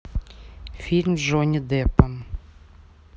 фильм с джонни деппом